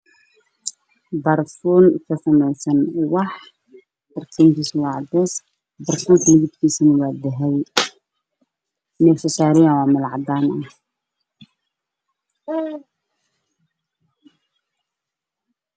Barafuun ka samaysan wax cadaan ah